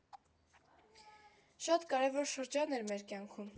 Շատ կարևոր շրջան էր մեր կյանքում։